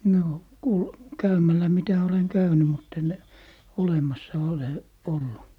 no kun käymällä mitä olen käynyt mutta en olemassa ole ollut